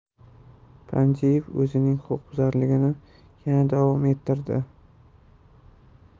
panjiyev o'zining huquqbuzarligini yana davom ettirdi